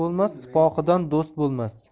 bo'lmas sipohidan do'st bo'lmas